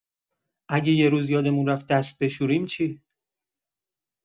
اگه یه روز یادمون رفت دست بشوریم چی؟